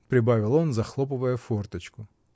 — прибавил он, захлопывая форточку.